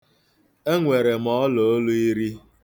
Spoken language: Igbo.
Enwere m ọlaolu iri.